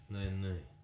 niin niin